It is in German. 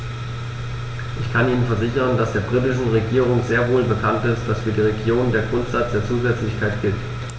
Ich kann Ihnen versichern, dass der britischen Regierung sehr wohl bekannt ist, dass für die Regionen der Grundsatz der Zusätzlichkeit gilt.